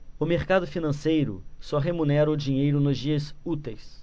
o mercado financeiro só remunera o dinheiro nos dias úteis